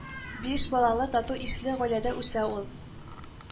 Биш балалы тату ишле гаиләдә үсә ул